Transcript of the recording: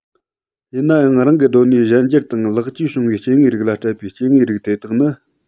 ཡིན ནའང རང གི སྡོད གནས གཞན འགྱུར དང ལེགས བཅོས བྱུང བའི སྐྱེ དངོས རིགས ལ སྤྲད པའི སྐྱེ དངོས རིགས དེ དག ནི